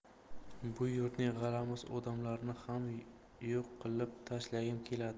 bu yurtning g'alamis odamlarini ham yo'q qilib tashlagim keladi